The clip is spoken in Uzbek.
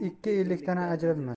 ikki ellikdan ajrama